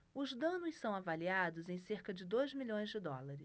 os danos são avaliados em cerca de dois milhões de dólares